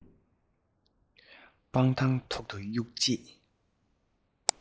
སྤང ཐང ཐོག ཏུ གཡུགས རྗེས